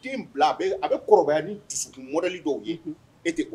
Den bila, a bɛ kɔrɔbaya ni dusukun modèle dɔw ye ! Unhun, E tɛ o ye.